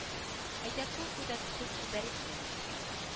Әйдә кул куй да төшереп җибәрик инде